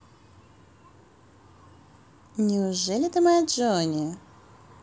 неужели ты моя jony